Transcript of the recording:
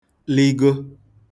lịgo